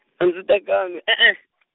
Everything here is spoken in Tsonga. a ndzi tekangi .